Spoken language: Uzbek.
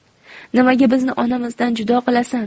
nimaga bizni onamizdan judo qilasan